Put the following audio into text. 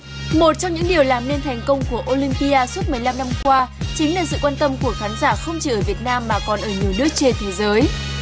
một trong những điều làm nên thành công của ô lim pi a suốt mười lăm năm qua chính là sự quan tâm của khán giả không chỉ ở việt nam mà còn ở nhiều nước trên thế giới